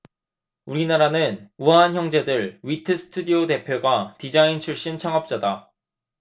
우리나라는 우아한형제들 위트 스튜디오 대표가 디자인 출신 창업자다